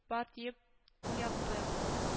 Бар, диеп уятты